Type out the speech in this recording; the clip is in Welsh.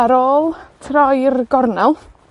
ar ôl troi'r gornel,